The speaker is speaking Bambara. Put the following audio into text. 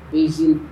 Izini